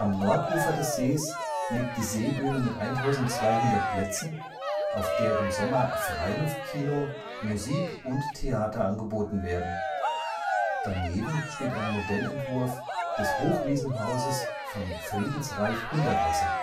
Nordufer des Sees liegt die Seebühne mit 1200 Plätzen, auf der im Sommer Freiluftkino (Kino, Mond und Sterne), Musik und Theater angeboten werden, daneben steht ein Modellentwurf des Hochwiesenhauses von Friedensreich Hundertwasser